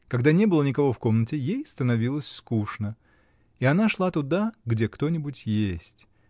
Когда не было никого в комнате, ей становилось скучно, и она шла туда, где кто-нибудь есть.